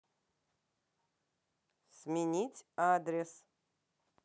сменить адрес